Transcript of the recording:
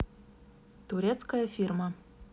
турецкая фирма